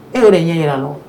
E yɛrɛ ye ɲɛ jira non